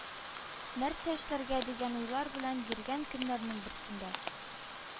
Нәрсә эшләргә дигән уйлар белән йөргән көннәрнең берсендә,